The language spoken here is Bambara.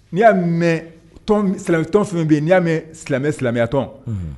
N'i mɛtɔn fɛn yen' y'a mɛ mɛn silamɛ silamɛyatɔn